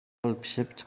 halol pishib chiqar